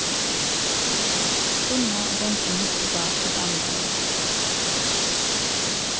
dunnan og drongurin hugdu upp á hvørt annað eina løtu